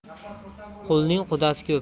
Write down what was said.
qulning qudasi ko'p